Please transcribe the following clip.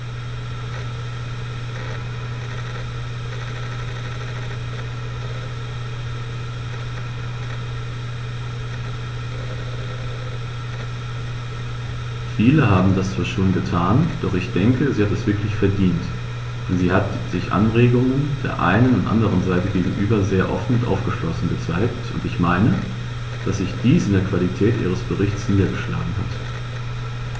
Viele haben das zwar schon getan, doch ich denke, sie hat es wirklich verdient, denn sie hat sich Anregungen der einen und anderen Seite gegenüber sehr offen und aufgeschlossen gezeigt, und ich meine, dass sich dies in der Qualität ihres Berichts niedergeschlagen hat.